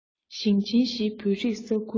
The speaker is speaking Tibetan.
ཞིང ཆེན བཞིའི བོད རིགས ས ཁུལ ལ